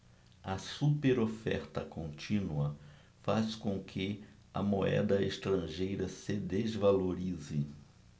a superoferta contínua faz com que a moeda estrangeira se desvalorize